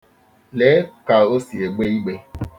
Lee ka o si egbe igbe.